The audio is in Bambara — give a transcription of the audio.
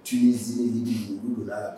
Tu ye sen mu dɔ la